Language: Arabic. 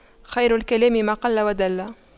خير الكلام ما قل ودل